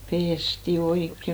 pestiin oikein